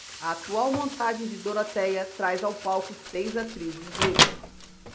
a atual montagem de dorotéia traz ao palco seis atrizes negras